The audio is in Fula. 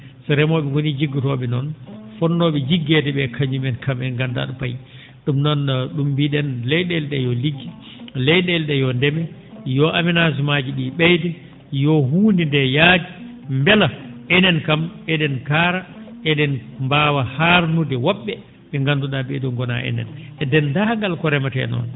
so remoo?e ngonii jiggotoo?e noon fotnoo?e jiggeede ?ee kañumen kam en nganndaa ?o payi ?um noon ?um mbi?en ley?eele ?ee yo ligge ley?ele ?ee yo ndeme yoo aménagement ji ?eyde yoo huunde ndee yaaj mbela enen kam e?en kaara e?en mbaawa haarnude wo??e ?e nganndu?aa ?ee ?oo ngonaa enen e denndaangal ko remetee noon